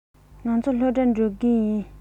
ང ཚོ སློབ གྲྭར འགྲོ གི ཡིན